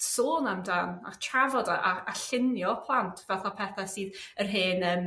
sôn amdan a trafod a a a llunio plant fatha pethe sydd yr hen yym